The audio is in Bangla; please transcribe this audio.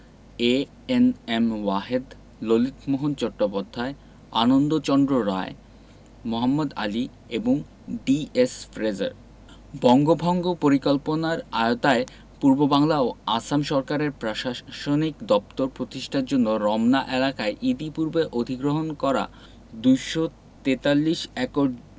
এ.এন.এম ওয়াহেদ ললিতমোহন চট্টোপধ্যায় আনন্দচন্দ্র রায় মোহাম্মদ আলী এবং ডি.এস. ফ্রেজার বঙ্গভঙ্গ পরিকল্পনার আয়ওতায় পূর্ববাংলা ও আসাম সরকারের প্রাশাসনিক দপ্তর প্রতিষ্ঠার জন্য রমনা এলাকায় ইতিপূর্বে অধিগ্রহণ করা ২৪৩ একর